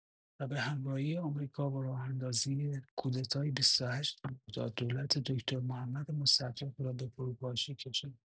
و به همراهی آمریکا، با راه‌اندازی کودتای ۲۸ مرداد، دولت دکتر محمد مصدق را به فروپاشی کشاند.